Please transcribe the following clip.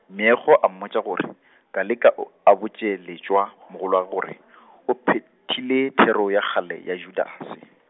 Meokgo a mmotša gore, Koleka o a botše Letšwa, mogolwagwe gore , o phethile thero ya kgale ya Judase.